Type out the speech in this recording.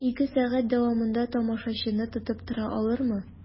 Ике сәгать дәвамында тамашачыны тотып тора алырмы?